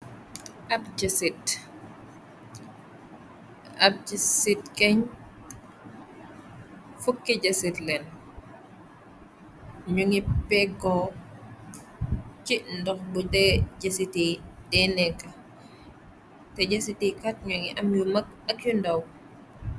Ab jasit keñ 1ukk jasit len ñu ngi peggoo ci ndox bu d jasiti deneeka te jasiti kat ñu ngi am yul mag ak yu ndaw.